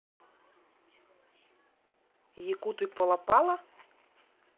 якуты полопала